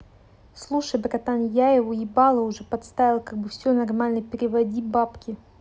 слушай братан я его ебало уже подставил как бы все нормально переводи бабки